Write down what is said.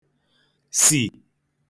sì